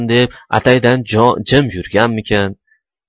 deb ataydan jim yurganmikin